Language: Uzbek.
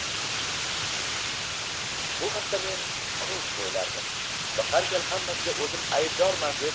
bu haqda men ko'p o'ylardim va har gal hammasiga o'zim aybdorman deb